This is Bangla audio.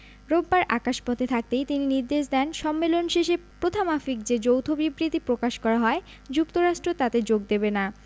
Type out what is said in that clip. রোববার আকাশপথে থাকতেই তিনি নির্দেশ দেন সম্মেলন শেষে প্রথামাফিক যে যৌথ বিবৃতি প্রকাশ করা হয় যুক্তরাষ্ট্র তাতে যোগ দেবে না